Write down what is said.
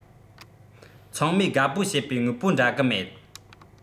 ཚང མས དགའ པོ བྱེད པའི དངོས པོ འདྲ གི མེད